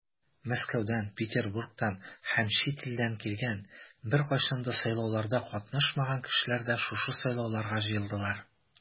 Мәскәүдән, Петербургтан һәм чит илдән килгән, беркайчан да сайлауларда катнашмаган кешеләр дә шушы сайлауларга җыелдылар.